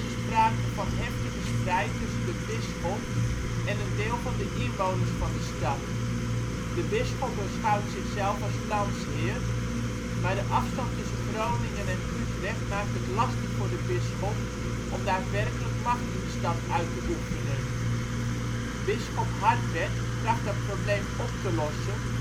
sprake van heftige strijd tussen de bisschop en een deel van de inwoners van de stad. De bisschop beschouwt zichzelf als landsheer, maar de afstand tussen Groningen en Utrecht maakt het lastig voor de bisschop om daadwerkelijk macht in de stad uit te oefenen. Bisschop Hartbert tracht dat probleem op te lossen